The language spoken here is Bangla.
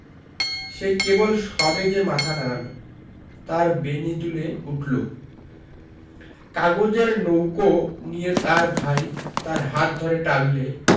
সে কেবল সবেগে মাথা নাড়ল তার বেণী দুলে উঠল কাগজের নৌকো নিয়ে তার ভাই তার হাত ধরে টানলে